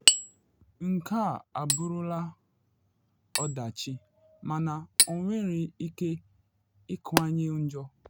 Nke a abụrụla ọdachi, mana ọ nwere ike ịkawanye njọ.”